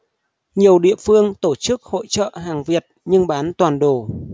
nhiều địa phương tổ chức hội chợ hàng việt nhưng bán toàn đồ